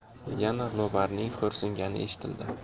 yana lobarning xo'rsingani eshitildi